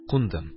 Кундым.